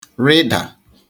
rịdà